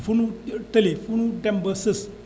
fu nu tëlee fu nu dem ba sës